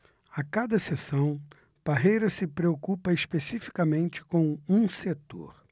a cada sessão parreira se preocupa especificamente com um setor